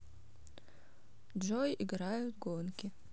джой играют гонки